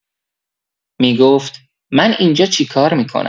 می‌گفت: من اینجا چیکار می‌کنم؟